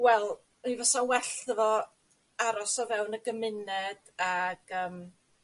wel mi fysa well 'ddo fo aros o fewn y gymuned ag yym